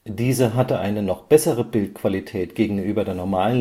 Diese hatte eine noch bessere Bildqualität (HD-TV mit